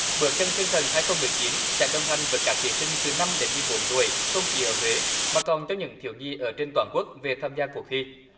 bước chân thiên thần hai không mười chín sẽ đồng hành với các thí sinh từ năm đến mười bốn tuổi không chỉ ở huế mà còn cho những thiếu nhi ở trên toàn quốc về tham gia cuộc thi